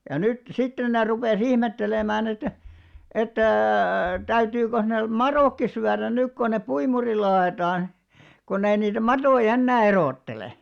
ja nyt sitten ne rupesi ihmettelemään että että täytyykö ne madotkin syödä nyt kun ne puimurilla ajetaan kun ei niitä matoja enää erottele